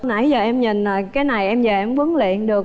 nãy giờ em nhìn rồi cái này em về em huấn luyện được